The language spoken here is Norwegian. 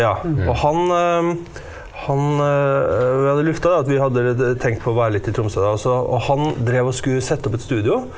ja og han han vi hadde lufta det at vi hadde litt tenkt på å være litt i Tromsø da og så og han drev og skulle sette opp et studio.